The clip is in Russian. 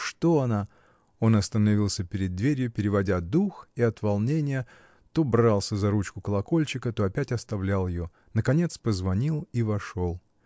Что она?” Он остановился перед дверью, переводя дух, и от волнения то брался за ручку колокольчика, то опять оставлял ее. Наконец позвонил и вошел.